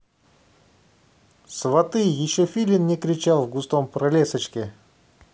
сваты еще филин не кричал в густом пролесочке